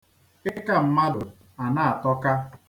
Ịka mmadụ a na-atọka.